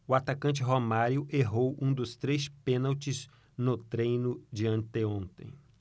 o atacante romário errou um dos três pênaltis no treino de anteontem